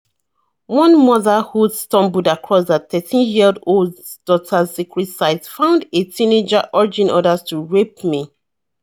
One mother who stumbled across her 13-year-old's daughter's secret site found a teenager urging others to "rape me."